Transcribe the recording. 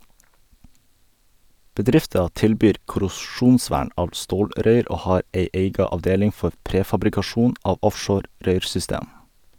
Bedrifta tilbyr korrosjonsvern av stålrøyr, og har ei eiga avdeling for prefabrikasjon av offshore røyrsystem.